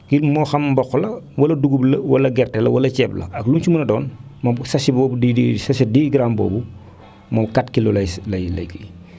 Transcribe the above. ki moo xam mboq la wala dugub la wala gerte la wala ceeb la ak lu mu si mën a doon moom sachet boobu di di sachet 10 grammes boobu moom 4 kilos lay lay kii